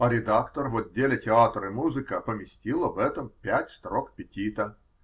А редактор в отделе "Театр и музыка" поместил об этом пять строк петита.